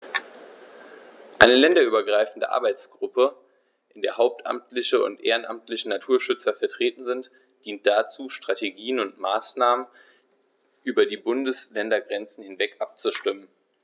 Eine länderübergreifende Arbeitsgruppe, in der hauptamtliche und ehrenamtliche Naturschützer vertreten sind, dient dazu, Strategien und Maßnahmen über die Bundesländergrenzen hinweg abzustimmen.